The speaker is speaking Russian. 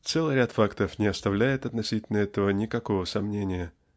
Целый ряд фактов не оставляет относительно этого никакого сомнения.